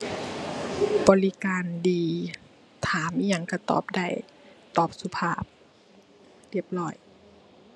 บริการดี ถามอิหยังก็ตอบได้ ตอบสุภาพเรียบร้อย